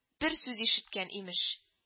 Бер сүз ишеткән, имеш